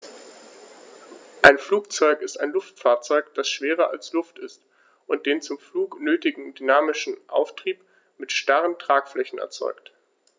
Ein Flugzeug ist ein Luftfahrzeug, das schwerer als Luft ist und den zum Flug nötigen dynamischen Auftrieb mit starren Tragflächen erzeugt.